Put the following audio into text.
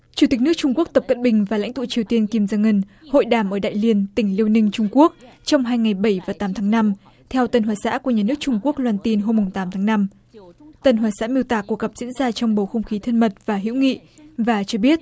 chủ tịch nước trung quốc tập cận bình và lãnh tụ triều tiên kim dâng ân hội đàm ở đại liên tỉnh liêu ninh trung quốc trong hai ngày bảy và tám tháng năm theo tân hoa xã của nhà nước trung quốc loan tin hôm mùng tám tháng năm tân hoa xã miêu tả cuộc gặp diễn ra trong bầu không khí thân mật và hữu nghị và cho biết